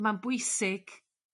ma'n bwysig